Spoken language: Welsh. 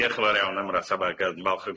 Diolch yn fawr iawn am yr ateb ag yn falch